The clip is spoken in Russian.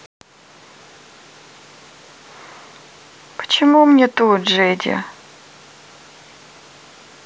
почему мне тут джеди